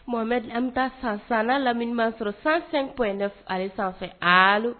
Mɔmed an bɛ taa san san lamini ma sɔrɔ sanfɛn kɔ ale sanfɛ ali